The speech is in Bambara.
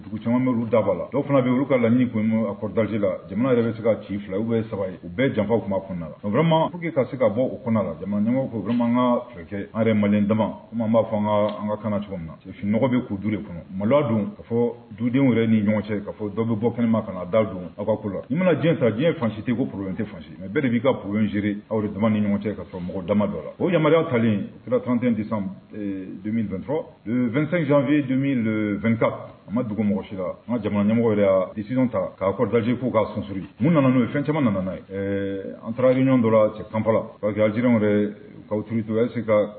Dugu caman' daba la dɔw fana bɛuruka la nidzsi la jamana yɛrɛ bɛ se ka ci fila u bɛ saba ye u bɛɛ janfaw ma kun la wɛrɛma ka se ka bɔ u kɔnɔna la jamanamɔgɔ an ka fɛ kɛ anre mali damama b'a fanga an ka kan cogo min nasiɔgɔ bɛ k'u du de kɔnɔ malilɔ don ka fɔ duden yɛrɛ ni ɲɔgɔn cɛ ka fɔ dɔw bɛ bɔ kɛnɛma ka naa da don aw ka ku la i mana diɲɛ sara diɲɛ fansi tɛ ko poro in tɛ fan mɛ bɛɛ de b'i ka pury in siri aw jamana ni ɲɔgɔn cɛ ka fɔ mɔgɔ damama dɔ la o yamaruyaw ta sira tɔnte de dontɔ eee2 jan v don2ta an ma dugu mɔgɔsi an ka jamana ɲɛmɔgɔ yɛrɛsion ta k kaa kɔrɔ daji ko k'a sonururi minnu nana'o ye fɛn caman nana ɛɛ an taaraj ɲɔgɔn dɔ kanfa la pa parce que jiri yɛrɛ ka tuurutose ka